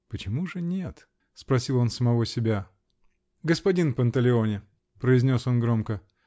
почему же нет?" -- спросил он самого себя. -- Господин Панталеоне! -- произнес он громко.